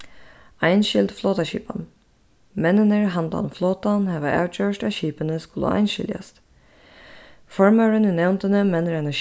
einskild flotaskipan menninir handan flotan hava avgjørt at skipini skulu einskiljast formaðurin í nevndini mennir eina